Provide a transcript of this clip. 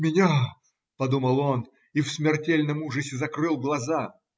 Меня!" - подумал он и в смертельном ужасе закрыл глаза.